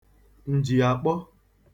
ǹjìàkpọ